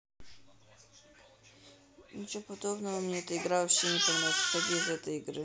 ничего подобного мне эта игра вообще не понравилась выходи из этой игры